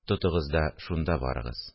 Тотыгыз да шунда барыгыз